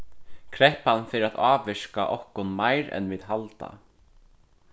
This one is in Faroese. kreppan fer at ávirka okkum meir enn vit halda